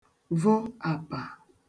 vo àpà